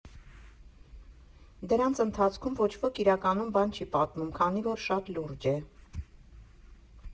Դրանց ընթացքում ոչ ոք իրականում բան չի պատմում, քանի որ շատ լուրջ է.